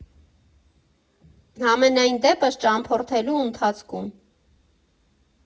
Համենայնդեպս ճամփորդելու ընթացքում։